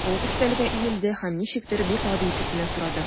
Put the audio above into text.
Ул өстәлгә иелде һәм ничектер бик гади итеп кенә сорады.